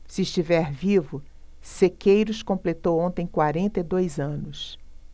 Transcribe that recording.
se estiver vivo sequeiros completou ontem quarenta e dois anos